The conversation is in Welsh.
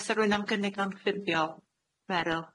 Os sa rywun am gynnig o'n ffurfiol? Meryl.